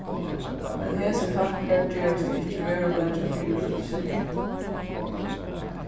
men hesir tankar gerast ikki veruleiki fyribils